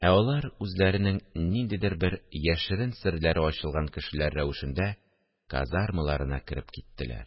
Ә алар, үзләренең ниндидер бер яшерен серләре ачылган кешеләр рәвешендә, казармаларына кереп киттеләр